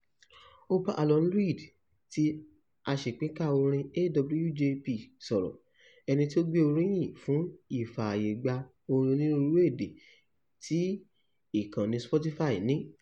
Ó bá Alun Llwyd ti aṣèpínká orin AWJP sọ̀rọ̀, ẹni tí ó gbé oríyìn fún ìfààyègba orin onírúurú èdè tí ìkànnì Spotify ní.